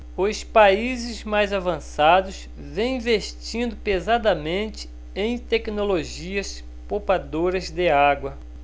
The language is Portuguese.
os países mais avançados vêm investindo pesadamente em tecnologias poupadoras de água